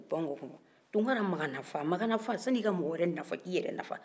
tunkara maganafa magafana sanin i ka mɔgɔ wɛrɛ nafa i yɛrɛ nafa folo